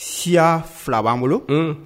Siya fila b'an bolo